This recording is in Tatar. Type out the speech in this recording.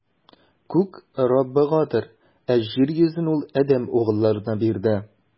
Күк - Раббыгадыр, ә җир йөзен Ул адәм угылларына бирде.